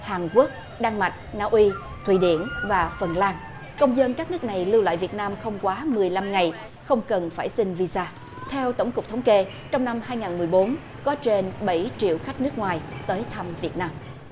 hàn quốc đan mạch na uy thụy điển và phần lan công dân các nước này lưu lại việt nam không quá mười lăm ngày không cần phải xin vi da theo tổng cục thống kê trong năm hai ngàn mười bốn có trên bảy triệu khách nước ngoài tới thăm việt nam